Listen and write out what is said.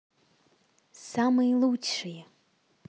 самые лучшие